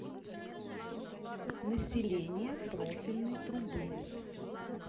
население профильной трубы